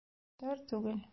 Начар түгел.